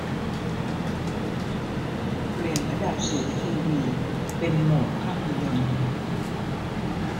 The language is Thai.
เปลี่ยนระดับสีทีวีเป็นโหมดภาพยนต์